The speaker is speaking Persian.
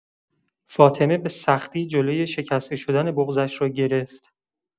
فاطمه به‌سختی جلوی شکسته‌شدن بغضش را گرفت.